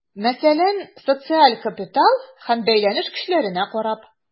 Мәсәлән, социаль капитал һәм бәйләнеш көчләренә карап.